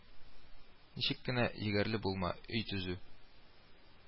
Ничек кенә егәрле булма, өй төзү